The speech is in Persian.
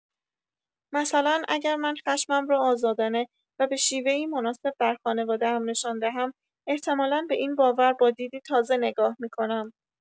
مثلا اگر من خشمم را آزادانه و به‌شیوه‌ای مناسب در خانواده‌ام نشان دهم، احتمالا به این باور با دیدی تازه نگاه می‌کنم.